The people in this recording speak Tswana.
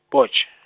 Potch.